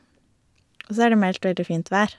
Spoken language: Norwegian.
Og så er det meldt veldig fint vær.